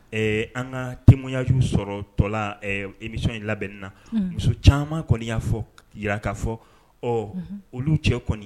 Ɛɛ an ka temuyaju sɔrɔ tɔ la emisɔn in labɛnni na muso caman kɔni y'a fɔ jiraka fɔ ɔ olu cɛ kɔni